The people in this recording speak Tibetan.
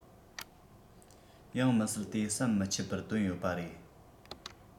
ཡང མི སྲིད དེ ཟམ མི ཆད པར བཏོན ཡོད པ རེད